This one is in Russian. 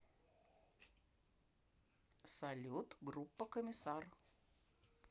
салют группа комиссар